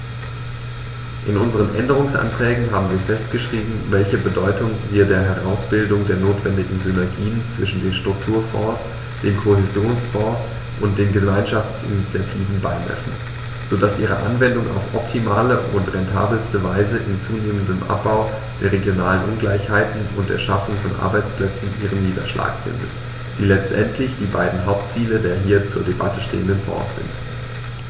In unseren Änderungsanträgen haben wir festgeschrieben, welche Bedeutung wir der Herausbildung der notwendigen Synergien zwischen den Strukturfonds, dem Kohäsionsfonds und den Gemeinschaftsinitiativen beimessen, so dass ihre Anwendung auf optimale und rentabelste Weise im zunehmenden Abbau der regionalen Ungleichheiten und in der Schaffung von Arbeitsplätzen ihren Niederschlag findet, die letztendlich die beiden Hauptziele der hier zur Debatte stehenden Fonds sind.